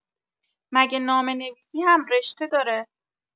مگه نامه‌نویسی هم‌رشته داره؟